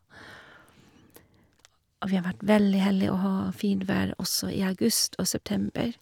Og vi har vært veldig heldig å ha fint vær også i august og september.